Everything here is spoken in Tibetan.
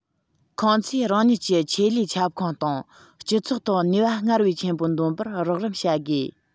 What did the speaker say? ཁོང ཚོས རང ཉིད ཀྱི ཆེད ལས ཁྱབ ཁོངས དང སྤྱི ཚོགས ཐོག ནུས པ སྔར བས ཆེན པོ འདོན པར རོགས རམ བྱ དགོས